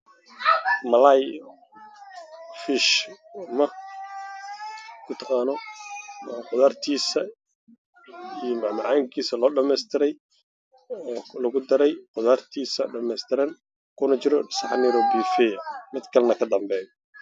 Waa hilib jilicsan iyo qudaar midabkoodu yahay guduud